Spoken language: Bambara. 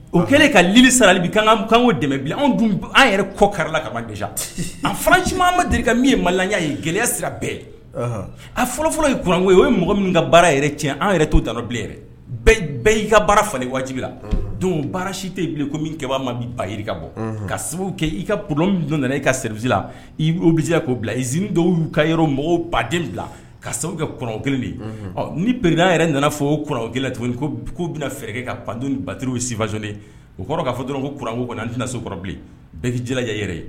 O kɛlen ka mi sara kanko dɛmɛ anw dun an yɛrɛ kɔ karila ka gese a faraci ma deli min ye maya ye gɛlɛya sira bɛɛ a fɔlɔfɔlɔ ye kuran ye o ye mɔgɔ min ka baara yɛrɛ cɛ an yɛrɛ to da bilen bɛɛ y' ka baara falen waatijibi la don baara si tɛ'i bilen ko min kɛ' ma bɛ bayi ka bɔ ka sababu kɛ i ka p dɔ nana i ka sela i'bi k'o bila ii dɔw y'u ka o mɔgɔw baden bila ka sababu kɛ k kelen de ye ɔ ni perenaan yɛrɛ nana fɔ o kelen tuguni k' bɛna fɛɛrɛ ka pand ni batow sifaznen o kɔrɔ'a fɔ dɔrɔn kouranko kɔnɔ an tɛna so kɔrɔbilen bɛɛ' jala yɛrɛ ye